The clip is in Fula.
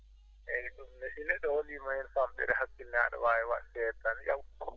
eeyi ne ɗum ne so neɗɗo holliima heen famɗere hakkille aɗa waawi waɗ seesa tan yawtu